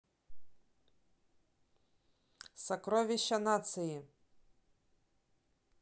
сокровища нации